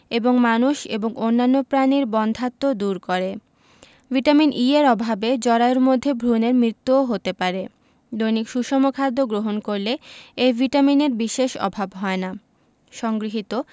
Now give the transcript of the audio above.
এবং মানুষ এবং অন্যান্য প্রাণীর বন্ধ্যাত্ব দূর করে ভিটামিন E এর অভাবে জরায়ুর মধ্যে ভ্রুনের মৃত্যুও হতে পারে দৈনিক সুষম খাদ্য গ্রহণ করলে এই ভিটামিনের বিশেষ অভাব হয় না সংগৃহীত